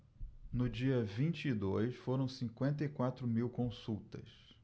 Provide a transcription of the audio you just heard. no dia vinte e dois foram cinquenta e quatro mil consultas